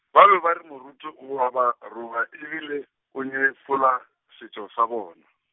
ba be ba re moruti o a ba roga e bile, o nyefola setšo sa bona.